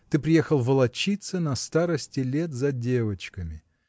ты приехал волочиться на старости лет за девочками.